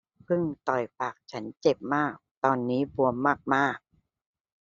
ผึ้งต่อยปากฉันเจ็บมากตอนนี้บวมมากมาก